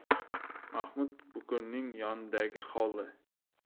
mahmud bukurning yonidagi hovli